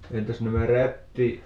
entäs nämä -